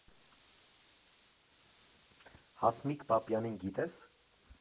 Հասմիկ Պապյանին գիտե՞ս։